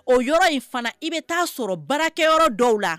O yɔrɔ in fana i bɛ taa sɔrɔ baarakɛyɔrɔ dɔw la